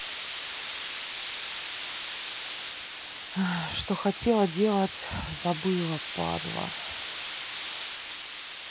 что хотела делать забыла падала